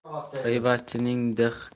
g'iybatchining dih kir